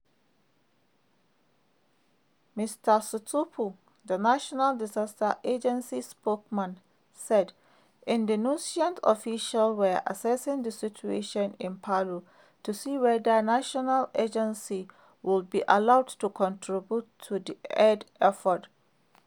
Mr. Sutopo, the national disaster agency spokesman, said Indonesian officials were assessing the situation in Palu to see whether international agencies would be allowed to contribute to the aid effort.